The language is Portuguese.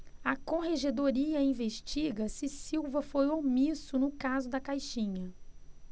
a corregedoria investiga se silva foi omisso no caso da caixinha